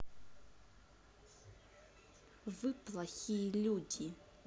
вы плохие люди